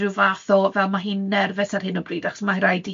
ryw fath o fel ma' hi'n nerfus ar hyn o bryd achos ma' raid